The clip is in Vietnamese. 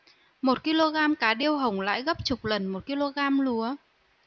một ki lô gam cá điêu hồng lãi gấp chục lần một ki lô gam lúa